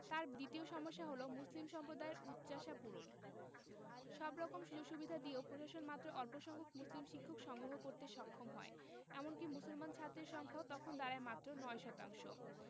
তাঁর দ্বিতীয় সমস্যা হলো মুসলিম সম্প্রদায়ের উচ্চাশা পূরণ সব রকম সুযোগসুবিধা দিয়েও প্রশাসন মাত্র অল্পসংখ্যক মুসলিম শিক্ষক সংগ্রহ করতে সক্ষম হয় এমনকি মুসলমান ছাত্রের সংখ্যাও তখন দাঁড়ায় মাত্র ৯ শতাংশ